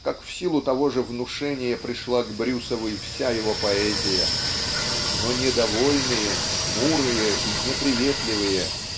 как в силу того же внушения пришла к Брюсову и вся его поэзия но недовольные хмурые и неприветливые